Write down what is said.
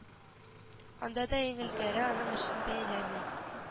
Анда да иң элгәре аның эшен бәялим